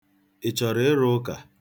Ị chọrọ ịrụ ụka?